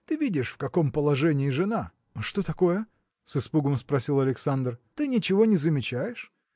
– Ты видишь, в каком положении жена? – Что такое? – с испугом спросил Александр. – Ты ничего не замечаешь?